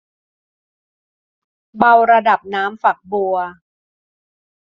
เบาระดับน้ำฝักบัว